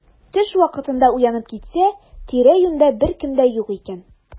Төш вакытында уянып китсә, тирә-юньдә беркем дә юк икән.